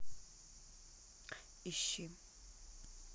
ищи